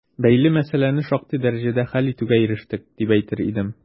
Бәйле мәсьәләне шактый дәрәҗәдә хәл итүгә ирештек, дип әйтер идем.